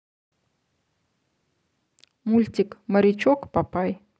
мультик морячок папай